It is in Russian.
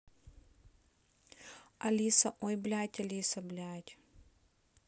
алиса ой блядь алиса блять